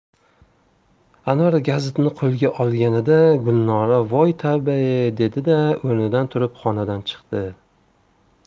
anvar gazitni qo'lga olganida gulnora voy tavba e dedi da o'rnidan turib xonadan chiqdi